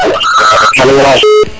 alo wa